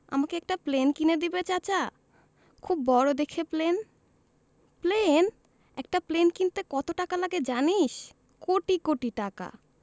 আমাকে একটা প্লেন কিনে দিবে চাচা খুব বড় দেখে প্লেন প্লেন একটা প্লেন কিনতে কত টাকা লাগে জানিস কোটি কোটি টাকা